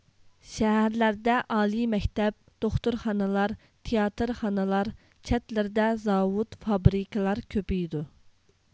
شەھەرلەردە ئالىي مەكتەپ دوختۇرخانىلار تىياتىرخانىلار چەتلىرىدە زاۋۇت فابرىكىلار كۆپىيىدۇ